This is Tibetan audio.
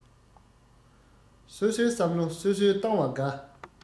སོ སོའི བསམ བློ སོ སོས བཏང བ དགའ